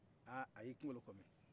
ahh a y'i kungolo kɔmi